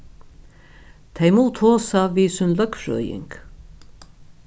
tey mugu tosa við sín løgfrøðing